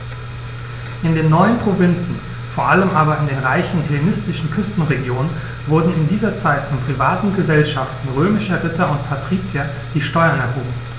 In den neuen Provinzen, vor allem in den reichen hellenistischen Küstenregionen, wurden in dieser Zeit von privaten „Gesellschaften“ römischer Ritter und Patrizier die Steuern erhoben.